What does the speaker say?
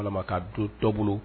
Ka don dɔ bolo